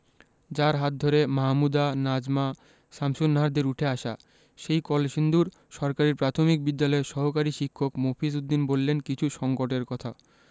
যাঁর হাত ধরে মাহমুদা নাজমা শামসুন্নাহারদের উঠে আসা সেই কলসিন্দুর সরকারি প্রাথমিক বিদ্যালয়ের সহকারী শিক্ষক মফিজ উদ্দিন বললেন কিছু সংকটের কথা